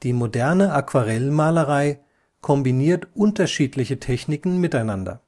moderne Aquarellmalerei kombiniert unterschiedliche Techniken miteinander